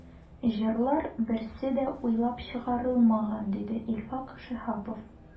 “җырлар берсе дә уйлап чыгарылмаган”, диде илфак шиһапов.